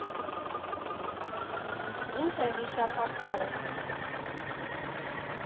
Ինչ է վիշապաքարը։